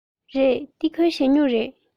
རེད འདི ཁོའི ཞ སྨྱུག རེད